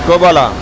comme qualité